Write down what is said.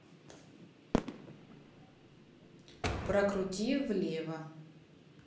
прокрути влево